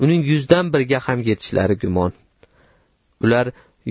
uning yuzdan biriga ham yetishlari gumon